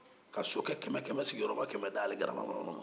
ka sokɛ kɛmɛ-kɛmɛ sigiyɔrɔma kɛmɛ di ale garaba man